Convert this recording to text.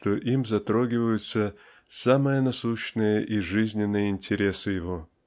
что им затрагиваются самые насущные и жизненные интересы его.